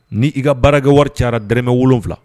N' i ka baarakɛ wari caaya dɔrɔmɛ7